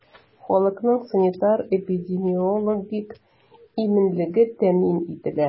Халыкның санитар-эпидемиологик иминлеге тәэмин ителә.